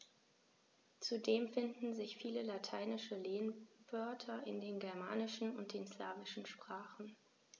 Zudem finden sich viele lateinische Lehnwörter in den germanischen und den slawischen Sprachen.